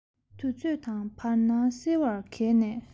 དུས ཚོད དང བར སྣང སིལ བུར གས ནས